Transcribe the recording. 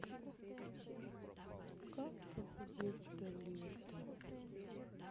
как похудеть до лета